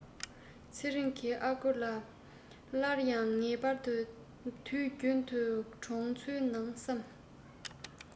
ཚེ རིང གི ཨ ཁུ ལ སླར ཡང ངེས པར དུ དུས རྒྱུན དུ གྲོང ཚོའི ནང བསམ